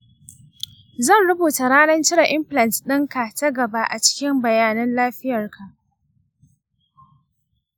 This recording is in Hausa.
zan rubuta ranar cire implant ɗinka ta gaba a cikin bayanan lafiyarka.